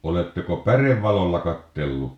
oletteko pärevalolla katsellut